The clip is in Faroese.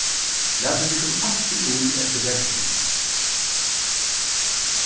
latið tykkum altíð í eftir veðrinum